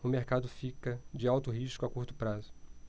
o mercado fica de alto risco a curto prazo